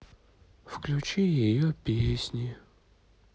включи ее песни